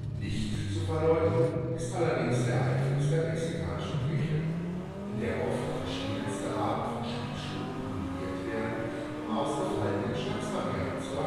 Nicht zu verleugnen ist allerdings der Einfluss der mexikanischen Küche, in der oft verschiedenste Arten von Chilischoten kombiniert werden, um ausgefallene Geschmacksvarianten zu